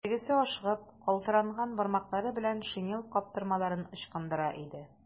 Тегесе ашыгып, калтыранган бармаклары белән шинель каптырмаларын ычкындыра иде.